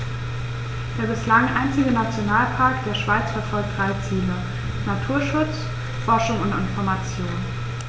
Der bislang einzige Nationalpark der Schweiz verfolgt drei Ziele: Naturschutz, Forschung und Information.